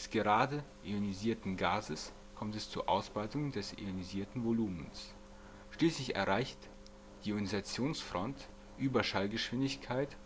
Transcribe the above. gerade ionisierten Gases kommt es zur Ausbreitung des ionisierten Volumens. Schließlich erreicht die Ionisationsfront Unterschallgeschwindigkeit